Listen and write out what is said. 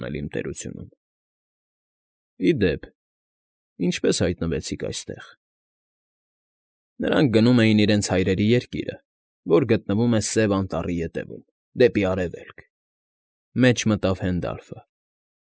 Անել իմ տերությունում… Ի դեպ, ինչպե՞ս հայտնվեցիք այստեղ։ ֊ Նրանք գնում էին իրենց հայրերի երկիրը, որ գտնվում է Սև Անտառի ետևում, դեպի արևելք,֊ մեջ մտավ Հենդալֆը։֊